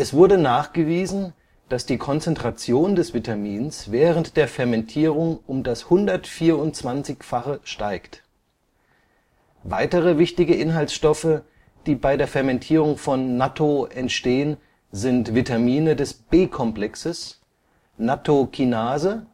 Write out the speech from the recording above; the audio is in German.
wurde nachgewiesen, dass die Konzentration des Vitamins während der Fermentierung um das 124-fache steigt. Weitere wichtige Inhaltsstoffe, die bei der Fermentierung von Nattō entstehen, sind Vitamine des B-Komplexes, Nattokinase